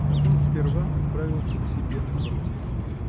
но он сперва отправился к себе на квартиру.